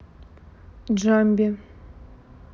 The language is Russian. джамби